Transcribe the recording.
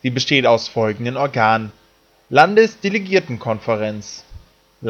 besteht aus folgenden Organen: Landesdelegiertenkonferenz Landesvorstand